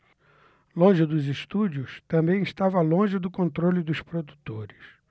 longe dos estúdios também estava longe do controle dos produtores